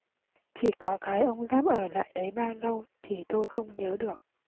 chỉ có cái ông giáp ở lại đấy bao lâu thì tôi không nhớ được